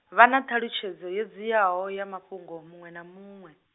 vha na ṱhalutshedzo yo dziaho ya mafhungo muṅwe na muṅwe.